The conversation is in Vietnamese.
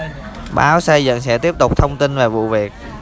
báo xây dựng sẽ tiếp tục thông tin về vụ việc